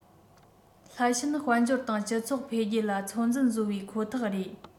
སླད ཕྱིན དཔལ འབྱོར དང སྤྱི ཚོགས འཕེལ རྒྱས ལ ཚོད འཛིན བཟོ བའི ཁོ ཐག རེད